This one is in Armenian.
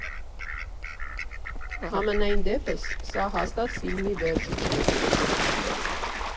Համենայն դեպս, սա հաստատ ֆիլմի վերջը չէ։